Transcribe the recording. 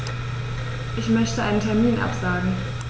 Ich möchte einen Termin absagen.